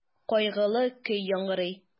Кайгылы көй яңгырый.